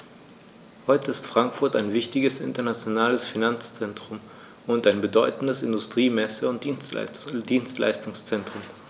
Heute ist Frankfurt ein wichtiges, internationales Finanzzentrum und ein bedeutendes Industrie-, Messe- und Dienstleistungszentrum.